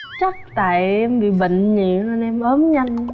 chắc tại em bị bệnh nhiều nên em ốm nhanh